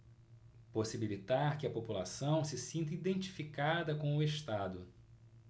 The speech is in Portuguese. possibilitar que a população se sinta identificada com o estado